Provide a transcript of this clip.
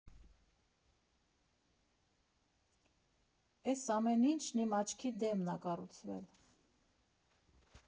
Էս ամեն ինչն իմ աչքի դեմն ա կառուցվել։